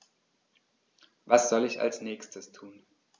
Was soll ich als Nächstes tun?